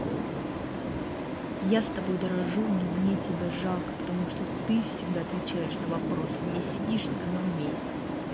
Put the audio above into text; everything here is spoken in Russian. я с тобой дорожу но мне тебя жалко потому что ты всегда отвечаешь на вопросы не сидишь на одном месте